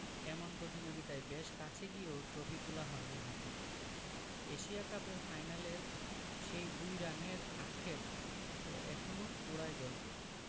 এমন প্রতিযোগিতায় বেশ কাছে গিয়েও ট্রফি তোলা হয়নি হাতে এশিয়া কাপের ফাইনালের সেই ২ রানের আক্ষেপ তো এখনো পোড়ায় দলকে